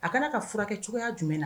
A kana ka furakɛ cogoyaya jumɛn na